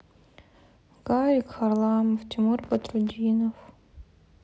гарик харламов тимур батрутдинов